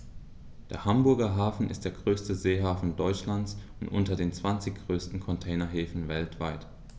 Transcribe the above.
Der Hamburger Hafen ist der größte Seehafen Deutschlands und unter den zwanzig größten Containerhäfen weltweit.